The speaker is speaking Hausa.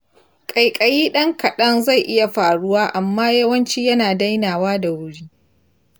ƙaiƙayi ɗan kaɗan zai iya faruwa amma yawanci yana dainawa da wuri.